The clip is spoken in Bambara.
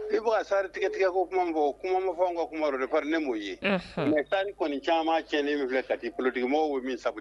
I bɔ ka saritigɛtigɛ ko kuma fɔ kumama fɔw ka kuma o defari ne mɔgɔwo ye tan ni kɔni caman cɛ ni min filɛ ta' bolotigimɔgɔ min sabu